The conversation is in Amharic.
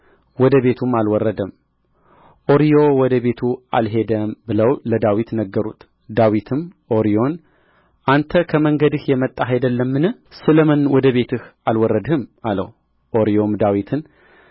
ወደ ቤቱም አልወረደም ኦርዮ ወደ ቤቱ አልሄደም ብለው ለዳዊት ነገሩት ዳዊትም ኦርዮን አንተ ከመንገድ የመጣህ አይደለምን ስለ ምን ወደ ቤትህ አልወረድህም አለው ኦርዮም ዳዊትን